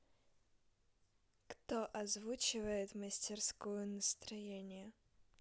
кто озвучивает мастерскую настроения